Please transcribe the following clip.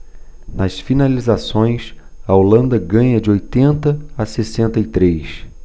nas finalizações a holanda ganha de oitenta a sessenta e três